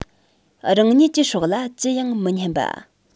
རང ཉིད ཀྱི སྲོག ལ ཇི ཡང མི སྙམ པ